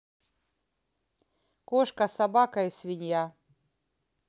кошка собака и свинья